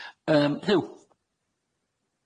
Yym. Hyw.